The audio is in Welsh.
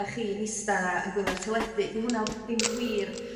dach chi yn ista 'na yn gwylio'r teledu 'di hwnna ddim wir